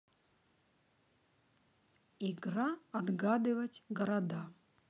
игра отгадывать города